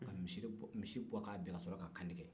ka misi bɔ ka bin ka sɔrɔ ka kan tigɛ